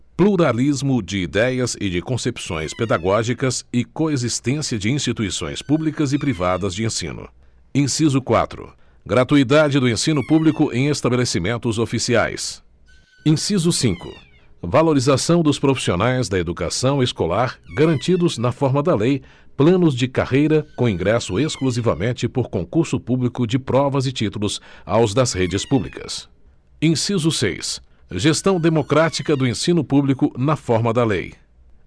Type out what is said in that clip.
pluralismo de idéias e de concepções pedagógicas e coexistência de instituições públicas e privadas de ensino inciso quatro gratuidade do ensino público em estabelecimentos oficiais inciso cinco valorização dos profissionais da educação escolar garantidos na forma da lei planos de carreira com ingresso exclusivamente por concurso público de provas e títulos aos das redes públicas inciso seis gestão democrática do ensino público na forma da lei